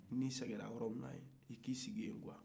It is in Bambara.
n'i segɛnna yɔrɔ min na i k'i sigi yen